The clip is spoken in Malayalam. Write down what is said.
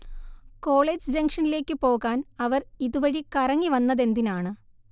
'കോളേജ് ജംഗ്ഷനിലേക്കു പോകാൻഅവർ ഇതു വഴി കറങ്ങി വന്നതെന്തിനാണ്'